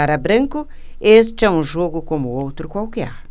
para branco este é um jogo como outro qualquer